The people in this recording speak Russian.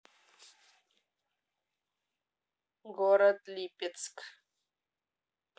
город липецк